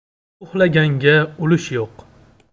uxlaganga ulush yo'q